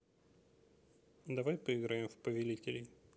давай поиграем в повелителей